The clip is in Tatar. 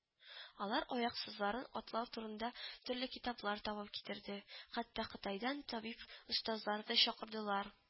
Алар аяксызларын атлау турында төрле китаплар табып китерде, хәтта Кытайдан табип-остазлар да чакырдылар